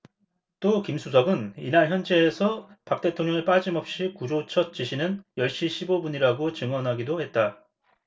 또 김 수석은 이날 헌재에서 박 대통령의 빠짐없이 구조 첫 지시는 열 시 십 오 분이라고 증언하기도 했다